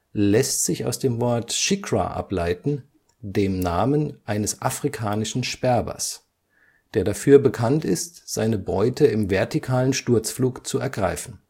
lässt sich aus dem Wort shikra ableiten, dem Namen eines afrikanischen Sperbers (Accipiter badius), der dafür bekannt ist, seine Beute im vertikalen Sturzflug zu ergreifen